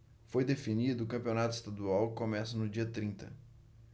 foi definido o campeonato estadual que começa no dia trinta